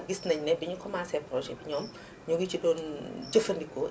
gis nañu ne bi ñu commencé projet bi ñoom ñoo ngi si doon jafandikoo